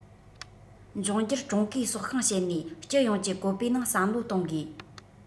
འབྱུང འགྱུར ཀྲུང གོའི སྲོག ཤིང བྱེད ནས སྤྱི ཡོངས ཀྱི བཀོད པའི ནང བསམ བློ གཏོང དགོས